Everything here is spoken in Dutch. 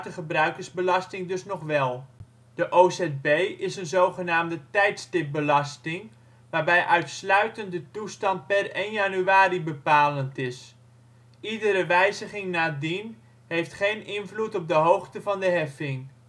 gebruikersbelasting dus nog wel. De ozb is een zogenaamde ' tijdstipbelasting ', waarbij uitsluitend de toestand per 1 januari bepalend is. Iedere wijziging nadien heeft geen invloed op de hoogte van de heffing